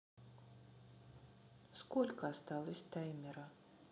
сколько осталось таймера